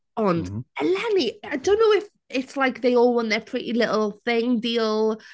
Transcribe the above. Ond eleni I don't know if it's like they all want their Pretty Little Thing deal.